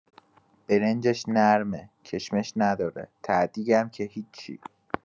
برنجش نرمه، کشمش نداره، ته‌دیگ هم که هیچی.